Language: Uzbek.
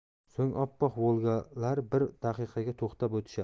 so'ng oppoq volga lar bir daqiqaga to'xtab o'tishadi